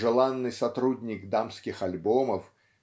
желанный сотрудник дамских альбомов